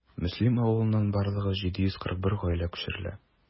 Мөслим авылыннан барлыгы 741 гаилә күчерелә.